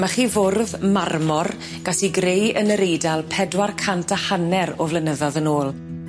'Ma chi fwrdd marmor gas 'i greu yn yr Eidal pedwar cant a hanner o flynyddodd yn ôl.